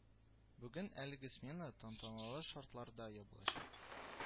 Бүген әлеге смена тантаналы шартларда ябылачак